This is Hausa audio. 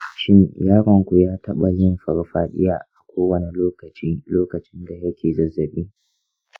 shin yaronku ya taba yin farfadiya a kowane lokaci lokacin da yake zazzabin?